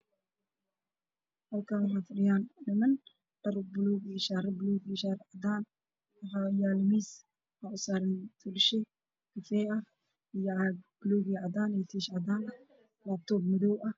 Halkaan waxaa fadhiyaan niman badan waxay wataan dhar buluug ah, shaar buluug ah, shaarar cadaan, waxaa horyaala miis waxaa saaran kobashiin kafay ah iyo caag buluug iyo cadaan ah, tiish, laabtoob madow ah.